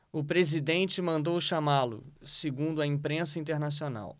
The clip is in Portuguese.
o presidente mandou chamá-lo segundo a imprensa internacional